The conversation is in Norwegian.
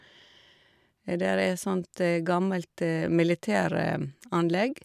Der er sånt gammelt militæranlegg.